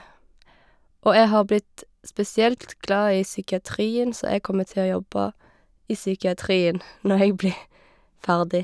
Og jeg har blitt spesielt glad i psykiatrien, så jeg kommer til å jobbe i psykiatrien når jeg blir ferdig.